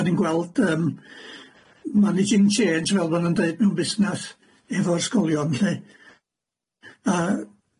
o'dda ni'n gweld yym manajing jenj fel ma' nhw'n deud mewn busnes efo'r ysgolion 'lly a